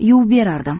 yuvib berardim